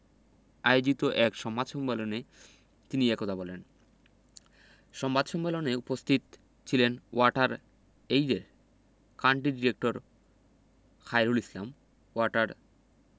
আয়োজিত এক সংবাদ সম্মেলন তিনি এ কথা বলেন সংবাদ সম্মেলনে উপস্থিত ছিলেন ওয়াটার এইডের country director Khairul Islam water